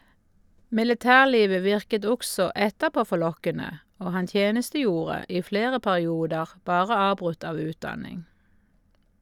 Militærlivet virket også etterpå forlokkende, og han tjenestegjorde i flere perioder, bare avbrutt av utdanning.